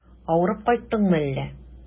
Авырып кайттыңмы әллә?